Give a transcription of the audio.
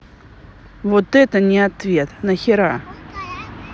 вот это не ответ нахера